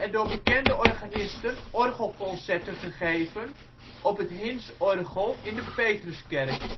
door bekende organisten orgelconcerten gegeven op het Hinszorgel in de Petruskerk